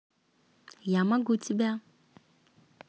я могу тебя